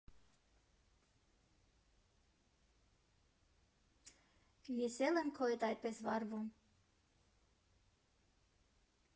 Ես է՞լ եմ քո հետ այդպես վարվում…